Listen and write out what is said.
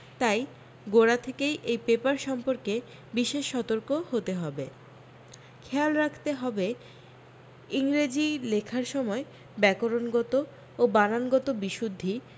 তাই গোড়া থেকেই এই পেপার সম্পর্কে বিশেষ সতর্ক হতে হবে খেয়াল রাখতে হবে যে ইংরেজি লেখার সময় ব্যাকরণগত ও বানানগত বিশুদ্ধি